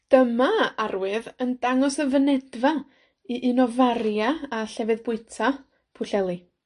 Dyma arwydd yn dangos y fynedfa i un o faria' a llefydd bwyta Pwllheli.